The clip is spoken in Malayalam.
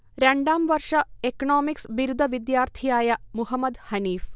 രണ്ടാംവർഷ എക്ണോമിക്സ് ബിരുദ വിദ്യാർത്ഥിയായ മുഹമ്മദ്ഹനീഫ്